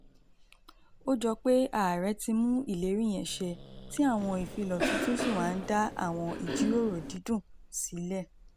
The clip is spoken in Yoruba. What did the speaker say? Ó jọ pé ààrẹ ti mú ìlérí yẹn ṣẹ, tí àwọn ìfilọ̀ tuntun sì wá ń dá àwọn ìjíròrò dídùn sílẹ̀.